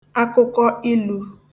akụkọilū